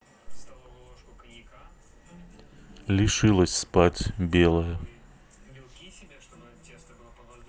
лишилась спать белая